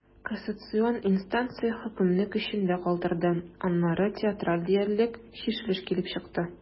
Кассацион инстанция хөкемне көчендә калдырды, аннары театраль диярлек чишелеш килеп чыкты.